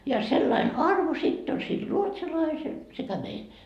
ja sellainen arvo sitten on sillä ruotsalaisella sekä meillä